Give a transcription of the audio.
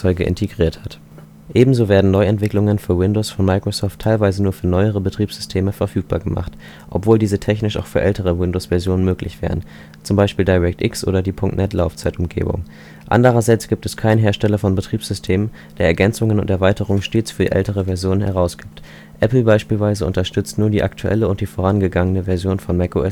integriert hat. Ebenso werden Neuentwicklungen für Windows von Microsoft teilweise nur für neuere Windows-Betriebssysteme verfügbar gemacht, obwohl diese technisch auch für ältere Windows-Versionen möglich wären, zum Beispiel DirectX oder die. NET-Laufzeitumgebung. Andererseits gibt es keinen Hersteller von Betriebssystemen, der Ergänzungen und Erweiterungen stets für alle älteren Versionen herausgibt. Apple beispielsweise unterstützt stets nur die aktuelle und die vorangegangene Version von Mac OS